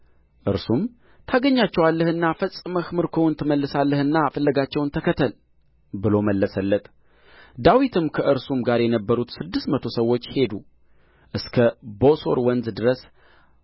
እርሱም ታገኛቸዋለህና ፈጽመህም ምርኮውን ትመልሳለህና ፍለጋቸውን ተከተል ብሎ መለሰለት ዳዊትም ከእርሱም ጋር የነበሩት ስድስት መቶ ሰዎች ሄዱ እስከ ቦሦር ወንዝ ድረስም